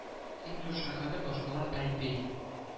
Иң зур шәһәре башкала Тайпей